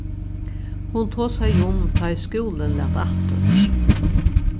hon tosaði um tá ið skúlin læt aftur